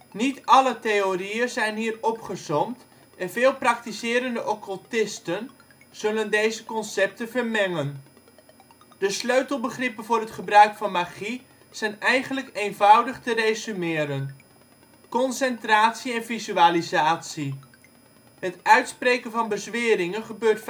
Niet alle theorieën zijn hier opgesomd, en veel praktiserende occultisten zullen deze concepten vermengen. De sleutelbegrippen voor het gebruik van magie zijn eigenlijk eenvoudig te resumeren: concentratie en visualisatie. Het uitspreken van bezweringen gebeurt